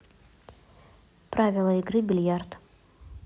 правила игры бильярд